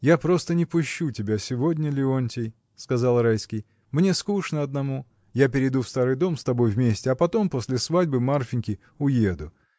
— Я просто не пущу тебя сегодня, Леонтий, — сказал Райский, — мне скучно одному: я перейду в старый дом с тобой вместе, а потом, после свадьбы Марфиньки, уеду.